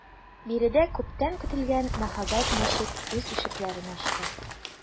Биредә күптән көтелгән мәһабәт мәчет үз ишекләрен ачты.